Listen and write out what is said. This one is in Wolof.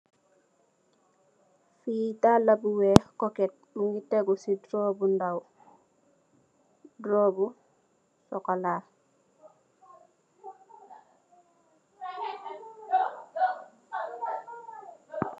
Fi dalla bu wèèx kóket mugii tégu ci duró bu ndaw. Duró bu sokola.